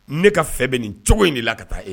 Ne ka fɛn bɛ nin cogo in de la ka taa e